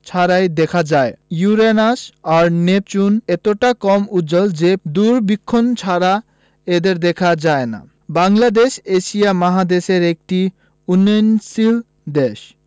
ছাড়াই দেখা যায় ইউরেনাস ও নেপচুন এতটা কম উজ্জ্বল যে দূরবীক্ষণ ছাড়া এদের দেখা যায় না বাংলাদেশ এশিয়া মহাদেশের একটি উন্নয়নশীল দেশ